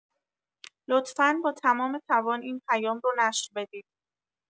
لطفا با تمام توان این پیام رو نشر بدید.